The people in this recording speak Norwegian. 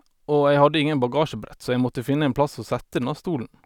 Og jeg hadde ingen bagasjebrett, så jeg måtte finne en plass å sette denne stolen.